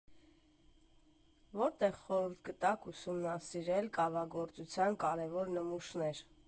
Որտե՞ղ խորհուրդ կտաք ուսումնասիրել կավագործության կարևոր նմուշներ։